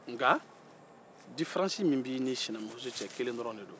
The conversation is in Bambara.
nka diferansi min b'i n'i sinamuso cɛ kelen dɔrɔn de do